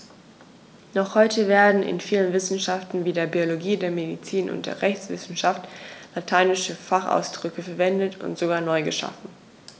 Noch heute werden in vielen Wissenschaften wie der Biologie, der Medizin und der Rechtswissenschaft lateinische Fachausdrücke verwendet und sogar neu geschaffen.